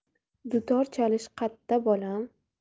dutor chalish qatta bolam